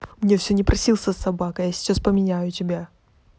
мне все не просился собака я сейчас поменяю тебя